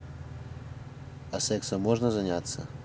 а сексом можно заняться